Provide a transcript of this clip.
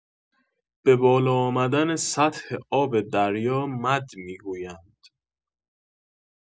به بالا آمدن سطح آب دریا مد می‌گویند